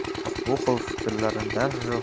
biroq bu xil fikrlarni darrov